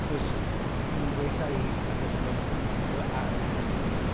Achos maen nhw'n gweud wrtha i achos fy fy aren newydd i...